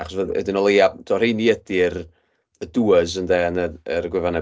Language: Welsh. Achos we- wedyn o leia, tibod rheini ydy'r y doers ynde yn y yr gwefannau.